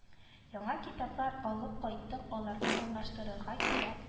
Яңа китаплар алып кайттык аларны урнаштырырга кирәк